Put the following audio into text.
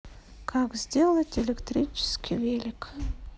как сделать электрический велик